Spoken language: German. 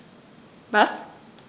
Was?